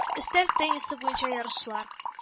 Өстәл теннисы буенча ярышлар